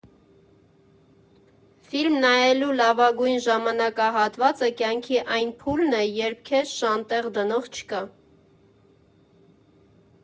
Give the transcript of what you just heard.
Ֆիլմ նայելու լավագույն ժամանակահատվածը կյանքի այն փուլն է, երբ քեզ շան տեղ դնող չկա։